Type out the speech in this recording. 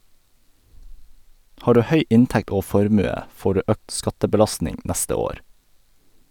Har du høy inntekt og formue, får du økt skattebelastning neste år.